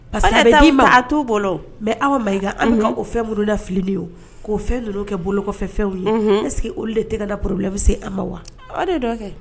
Parce t to bɔ mɛ aw ma i an o fɛn bolo la filililen ye k'o fɛn dɔ kɛ bolofɛ fɛnw ye ne sigi olu de tɛgɛ daorobila bɛ se a ma wa de kɛ